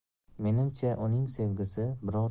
menimcha uning sevgisi biror